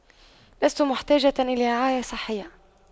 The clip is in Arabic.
لست محتاجة إلى رعاية صحية